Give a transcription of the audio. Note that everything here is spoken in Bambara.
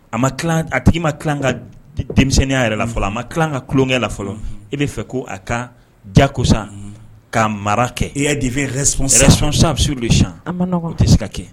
A ma a tigi ma tila ka denmisɛnninya yɛrɛ la fɔlɔ a ma tila ka tulonkɛ la fɔlɔ e'a fɛ ko a ka diya kosan ka mara kɛ e y'a dec sa bɛolu bɛ an tɛ se ka kɛ